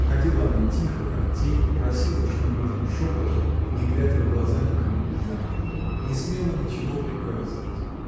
Ходила она тихо, как тень, просила, что нужно, шепотом, не глядя в глаза никому прямо. Не смела ничего приказывать.